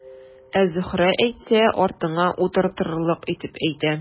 Ә Зөһрә әйтсә, артыңа утыртырлык итеп әйтә.